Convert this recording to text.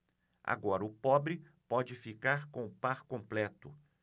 agora o pobre pode ficar com o par completo